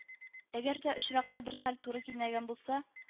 Әгәр дә очраклы бер хәл туры килмәгән булса